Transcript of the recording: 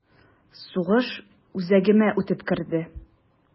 Сугыш үзәгемә үтеп керде...